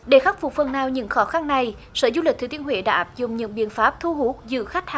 để khắc phục phần nào những khó khăn này sở du lịch thừa thiên huế đã áp dụng những biện pháp thu hút dữ khách